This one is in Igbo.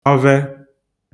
ọvẹ